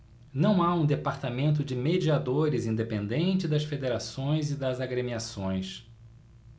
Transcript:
não há um departamento de mediadores independente das federações e das agremiações